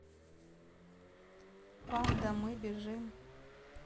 панда мы бежим